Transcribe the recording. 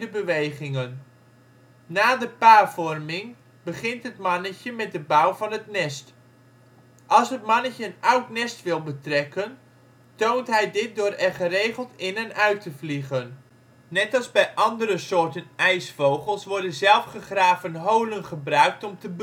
bewegingen. Na de paarvorming begint het mannetje met de bouw van het nest. Als het mannetje een oud nest wil betrekken, toont hij dit door er geregeld in en uit te vliegen. Net als bij andere soorten ijsvogels worden zelfgegraven holen gebruikt om te broeden